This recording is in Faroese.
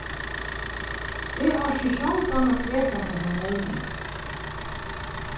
eg orki sjáldan at eta nakran morgunmat